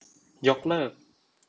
ยกเลิก